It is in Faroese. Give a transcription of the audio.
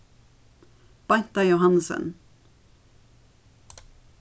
beinta johannesen